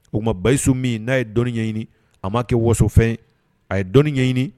U tuma Bayisu min n'a ye dɔnni ɲɛɲini a man kɛ waso fɛn ye a ye dɔnnin ɲɛɲini